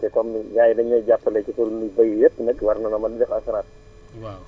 waa te comme gars yi dañu ñoo jàppale ci suñu bay yépp nag war nañoo mën di def assurance